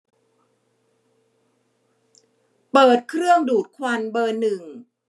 เปิดเครื่องดูดควันเบอร์หนึ่ง